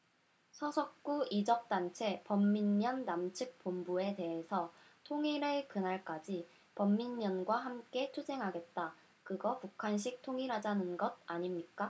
서석구 이적단체 범민련 남측 본부에 대해서 통일의 그날까지 범민련과 함께 투쟁하겠다 그거 북한식 통일하자는 것 아닙니까